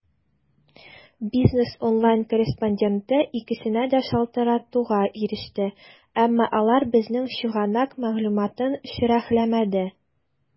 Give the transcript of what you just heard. "бизнес online" корреспонденты икесенә дә шалтыратуга иреште, әмма алар безнең чыганак мәгълүматын шәрехләмәде.